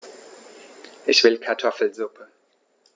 Ich will Kartoffelsuppe.